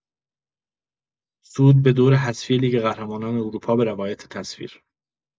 صعود به دور حذفی لیگ قهرمانان اروپا به روایت تصویر